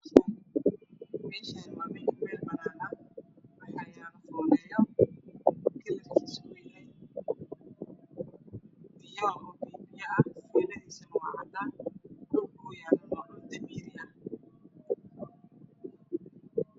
Meeshaan waa meel banaan ah waxaa yaalo fooneeyo midabkiisu yahay fiyool biyo biyo ah shaladiisuna waa cadaan dhulkuna waa dameeri.